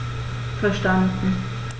Verstanden.